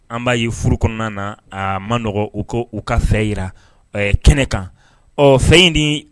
An b'a ye furu kɔnɔna na a ma nɔgɔn u ko u ka fɛ jira ɛɛ kɛnɛ kan ɔ fɛn in ni